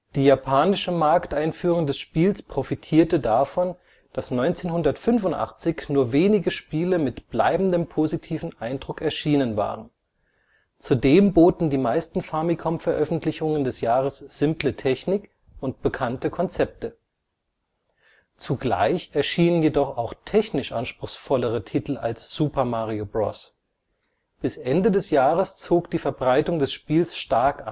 Die japanische Markteinführung des Spiels profitierte davon, dass 1985 nur wenige Spiele mit bleibendem positivem Eindruck erschienen waren. Zudem boten die meisten Famicom-Veröffentlichungen des Jahres simple Technik und bekannte Konzepte. Zugleich erschienen jedoch auch technisch anspruchsvollere Titel als Super Mario Bros. Bis Ende des Jahres zog die Verbreitung des Spiels stark